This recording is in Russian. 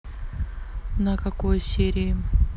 на какой серии